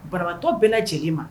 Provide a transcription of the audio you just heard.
Barabatɔ bɛɛ lajɛlen ma